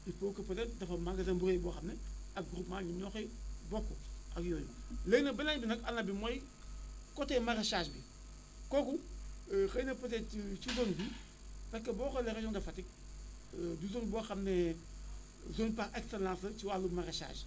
il faut que peut être taxawal magasin bu rëy boo xam ne ak groupement ñoom ñoo koy bokk ak yooyu léegi nag beneen bi nag anam bi mooy côté maraîchage bi kooku xëy na peut être ci zone bi parce que boo xoolee région de Fatick du zone boo xam ne zone par excellence la ci wàllum maraîchage